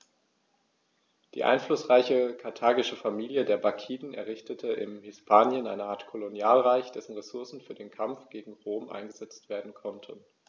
Die einflussreiche karthagische Familie der Barkiden errichtete in Hispanien eine Art Kolonialreich, dessen Ressourcen für den Kampf gegen Rom eingesetzt werden konnten.